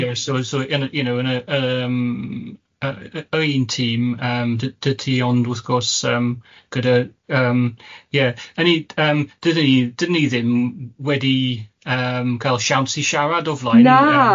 ...ie so so you know yn y yym yy yy yr un tîm yym d- d- ti ond wrth gwrs yym gyda yym ie o'n i yym dydan ni dydan ni ddim wedi yym cael siawns i siarad o flaen... Na.